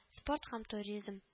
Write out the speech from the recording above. Спорт һәм туризм